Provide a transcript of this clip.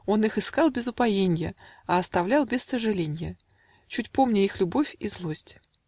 Он их искал без упоенья, А оставлял без сожаленья, Чуть помня их любовь и злость.